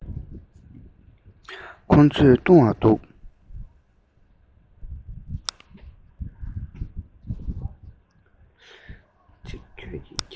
ཁོ ཚོས བཏུང བ འདུག